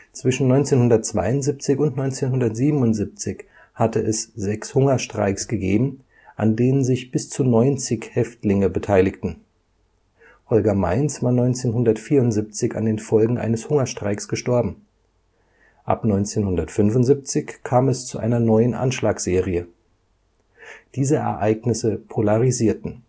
Zwischen 1972 und 1977 hatte es sechs Hungerstreiks gegeben, an denen sich bis zu 90 Häftlinge beteiligten. Holger Meins war 1974 an den Folgen eines Hungerstreiks gestorben. Ab 1975 kam es zu einer neuen Anschlagserie. Diese Ereignisse polarisierten